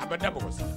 A ma da mɔgɔ si